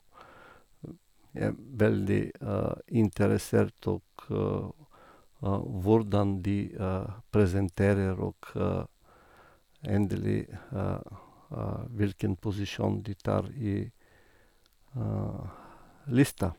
Jeg er veldig interessert òg hvordan de presenterer og endelig hvilken posisjon de tar i lista.